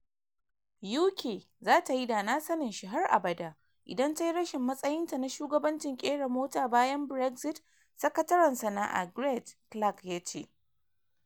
UK “zata yi da na sanin shi har abada” idan tayi rashin matsayin ta na shugabancin kera mota bayan Brexit, Sakataren Sana’a Greg Clark yace.